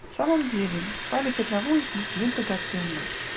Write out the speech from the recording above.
В самом деле, память одного из них мне драгоценна.